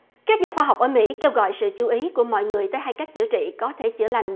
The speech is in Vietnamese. các nhà khoa học ở mỹ kêu gọi sự chú ý của mọi người tới hai cách chữa trị có thể chữa lành